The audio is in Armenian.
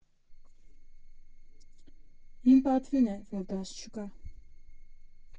«Իմ պատվին է, որ դաս չկա»։